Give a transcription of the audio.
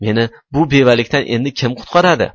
meni bu bevalikdan endi kim qutqaradi